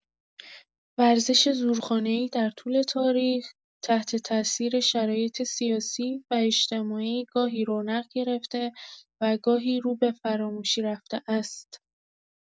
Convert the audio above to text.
ورزش زورخانه‌ای در طول تاریخ تحت‌تأثیر شرایط سیاسی و اجتماعی گاهی رونق گرفته و گاهی رو به فراموشی رفته است.